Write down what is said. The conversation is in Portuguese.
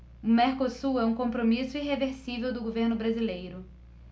o mercosul é um compromisso irreversível do governo brasileiro